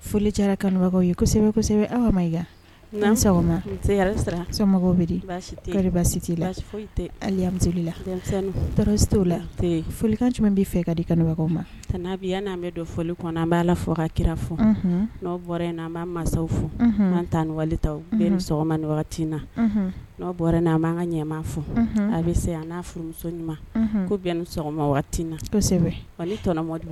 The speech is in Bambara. La foli kan jumɛn bɛ fɛ ka di kanu ma n'bi yan n'an bɛ don foli kɔnɔ an b'a la fɔ ka kira fɔ na an b'a masaw fo'an taa ni wali ta sɔgɔma ni na n na a b'an ka ɲɛ fɔ a bɛ se an n'a furu ko bɛ sɔgɔma na kosɛbɛ wali